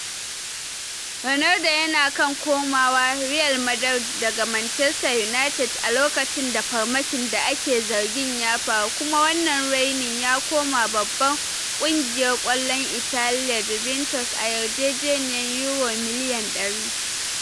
Ronaldo yana kan komawa Real Madrid daga Manchester United a lokacin da farmakin da ake zargin ya faru, kuma wannan ranin ya koma babban kungiyar kwallon Italia Juventus a yarjejeniyar Yuro miliyan100.